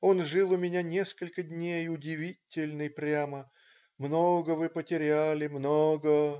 Он жил у меня несколько дней, удивительный прямо. Много вы потеряли, много.